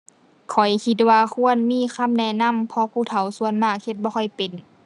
ข้อยคิดว่าควรมีคำแนะนำ เพราะผู้เฒ่าส่วนมากเฮ็ดบ่ค่อยเป็น